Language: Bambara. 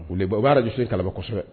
Ole u bɛ arajoso in kalama kosɛbɛ